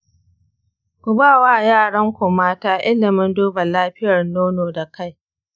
ku bawa yaran ku mata ilimin duba lafiyar nono da kai.